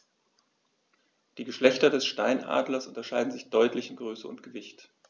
Die Geschlechter des Steinadlers unterscheiden sich deutlich in Größe und Gewicht.